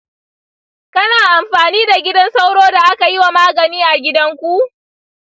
kana amfani da gidan sauro da aka yi wa magani a gidanku?